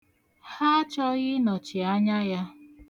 Ha achọghị ịnọchi anya ya.